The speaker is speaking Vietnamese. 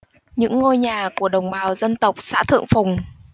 những ngôi nhà của đồng bào dân tộc xã thượng phùng